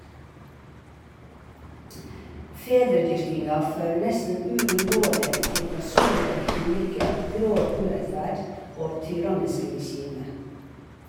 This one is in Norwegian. Fedredyrkinga fører nesten uunngåeleg til personleg ulykke, grov urettferd og tyranniske regime.